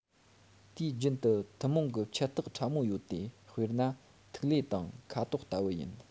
དུས རྒྱུན དུ ཐུན མོང གི ཁྱད རྟགས ཕྲ མོ ཡོད དེ དཔེར ན ཐིག ལེ དང ཁ དོག ལྟ བུ ཡིན